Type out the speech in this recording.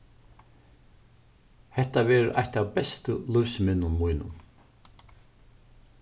hetta verður eitt av bestu lívsminnum mínum